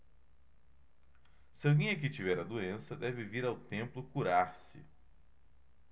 se alguém aqui tiver a doença deve vir ao templo curar-se